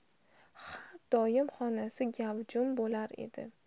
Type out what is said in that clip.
har doim xonasi gavjum bo'lar edi